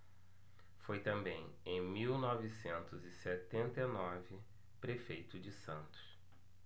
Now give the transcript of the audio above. foi também em mil novecentos e setenta e nove prefeito de santos